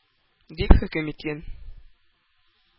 — дип хөкем иткән.